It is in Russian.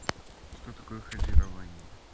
что такое хеджирование